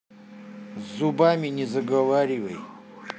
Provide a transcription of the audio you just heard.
с зубами не заговаривай